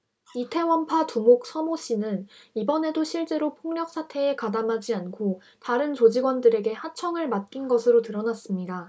이태원파 두목 서 모 씨는 이번에도 실제로 폭력 사태에 가담하지 않고 다른 조직원들에게 하청을 맡긴 것으로 드러났습니다